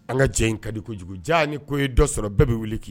An ka jɛ in ka di kojugu ja ni ko ye dɔ sɔrɔ bɛɛ bɛ wuli k'i